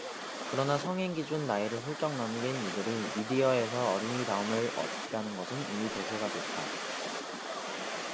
그러나 성인 기준 나이를 훌쩍 넘긴 이들이 미디어에서 어린이 다움을 어필하는 것은 이미 대세가 됐다